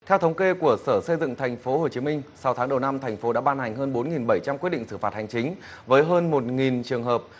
theo thống kê của sở xây dựng thành phố hồ chí minh sáu tháng đầu năm thành phố đã ban hành hơn bốn nghìn bảy trăm quyết định xử phạt hành chính với hơn một nghìn trường hợp